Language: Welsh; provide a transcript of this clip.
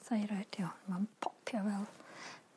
ma'n popio fewn.